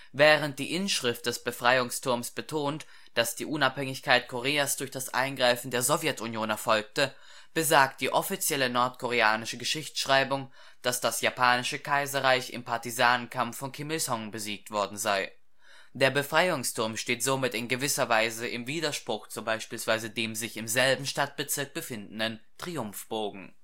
Während die Inschrift des Befreiungsturms betont, dass die Unabhängigkeit Koreas durch das Eingreifen der Sowjetunion erfolgte, besagt die offizielle nordkoreanische Geschichtsschreibung, dass das Japanische Kaiserreich im Partisanenkampf von Kim Il-sung besiegt worden sei. Der Befreiungsturm steht somit in gewisser Weise im Widerspruch zu beispielsweise dem sich im selben Stadtbezirk befindenden Triumphbogen